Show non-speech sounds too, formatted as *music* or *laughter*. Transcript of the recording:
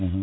*hesitation* *hesitation*